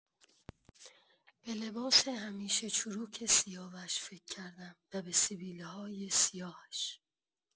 به لباس همیشه چروک سیاوش فکر کردم و به سیبیل‌های سیاهش.